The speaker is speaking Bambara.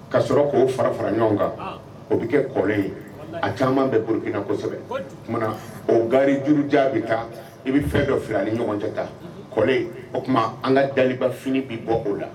Ka sɔrɔ k'o fara fara ɲɔgɔn kan o bɛ kɛ kɔ in a caman bɛ bolokokina kosɛbɛ o o gari juru jaabi bɛ taa i bɛ fɛn ka fili ni ɲɔgɔn cɛ ta kɔ o tuma an ka lariba fini bɛ bɔ o la